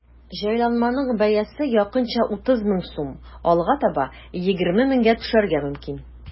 Җайланманың бәясе якынча 30 мең сум, алга таба 20 меңгә төшәргә мөмкин.